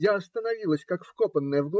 Я остановилась, как вкопанная